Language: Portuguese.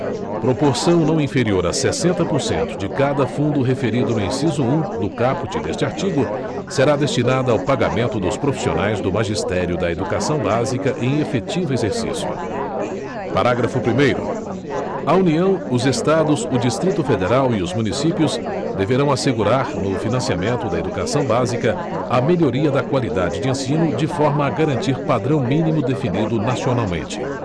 proporção não inferior a sessenta por cento de cada fundo referido no inciso um do caput deste artigo será destinada ao pagamento dos profissionais do magistério da educação básica em efetivo exercício parágrafo primeiro a união os estados o distrito federal e os municípios deverão assegurar no financiamento da educação básica a melhoria da qualidade de ensino de forma a garantir padrão mínimo definido nacionalmente